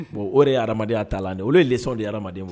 O ye adamadamadenya ta la olu ye le de yedama ma